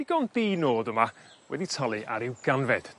digon di nod yma wedi tolu ar ryw ganfed